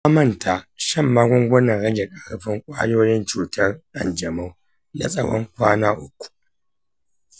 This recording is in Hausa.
na manta shan magungunan rage ƙarfin ƙwayoyin cutar kanjamau na tsawon kwana uku.